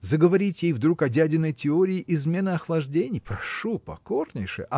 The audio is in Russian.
Заговорить ей вдруг о дядиной теории измен и охлаждений – прошу покорнейше